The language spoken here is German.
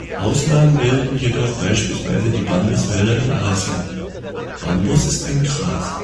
Ausnahmen bilden jedoch beispielsweise die Bambuswälder in Asien. Bambus ist ein Gras